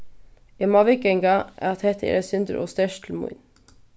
eg má viðganga at hetta er eitt sindur ov sterkt til mín